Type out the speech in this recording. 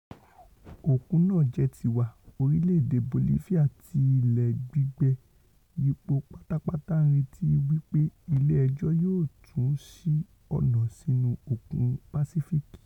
Òkun náà jẹ́ tiwa': orílẹ̀-èdè Bolifia tí ilẹ̀ gbígbẹ yípo pátápátá ńretí wí pé ilé ẹjọ́ yóò tún sí ọ̀nà sínú òkun Pàsífíìkì